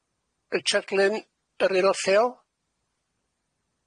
Richard Glyn yr aelo lleol?